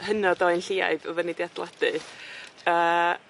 hynod o Enlliaidd oddan ni 'di adaladu yy